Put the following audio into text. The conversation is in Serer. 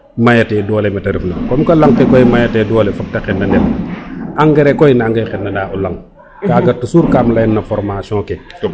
mayate dole mete ref na comme que laŋ ke koy maya te dole fook te xendandel engrais koy nange xendana laŋ kaga toujours kam leyan no formation